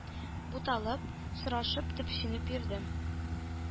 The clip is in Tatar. Буталып, сорашып-төпченеп йөрдем.